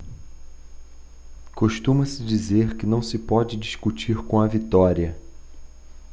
costuma-se dizer que não se pode discutir com a vitória